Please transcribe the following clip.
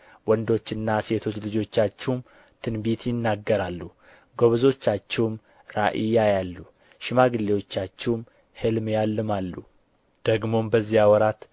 ወንዶችና ሴቶች ልጆቻችሁም ትንቢት ይናገራሉ ጎበዞቻችሁም ራእይ ያያሉ ሽማግሌዎቻችሁም ሕልም ያልማሉ ደግሞም በዚያች ወራት